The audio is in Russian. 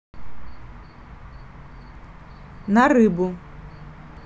на рыбу